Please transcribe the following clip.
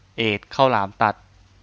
เอดข้าวหลามตัด